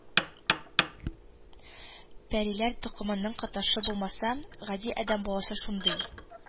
Пәриләр токымының катнашы булмаса, гади адәм баласы шундый